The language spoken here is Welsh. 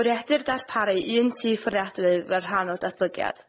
Bwriedir darparu un tŷ fforddiadwy fel rhan o datblygiad.